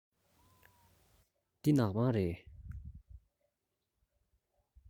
འདི ནག པང རེད